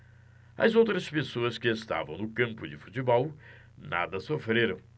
as outras pessoas que estavam no campo de futebol nada sofreram